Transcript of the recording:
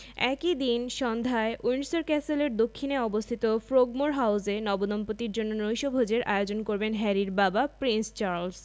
একই দিন সন্ধ্যায় উইন্ডসর ক্যাসেলের দক্ষিণে অবস্থিত ফ্রোগমোর হাউসে নবদম্পতির জন্য নৈশভোজের আয়োজন করবেন হ্যারির বাবা প্রিন্স চার্লস